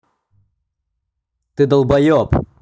ты долбойоп